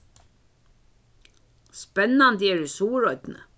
spennandi er í suðuroynni